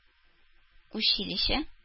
Училище